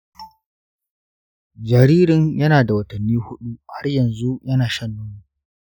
jaririn yana da watanni huɗu, har yanzu yana shan nono.